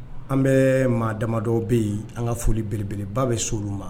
An bɛ maa damadɔ bɛ yen an ka foli bbelebeleba bɛ so olu ma